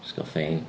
Jyst gael fine.